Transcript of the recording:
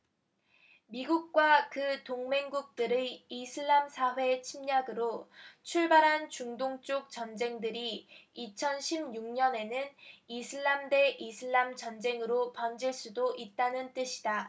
미국과 그 동맹국들의 이슬람사회 침략으로 출발한 중동 쪽 전쟁들이 이천 십 육 년에는 이슬람 대 이슬람 전쟁으로 번질 수도 있다는 뜻이다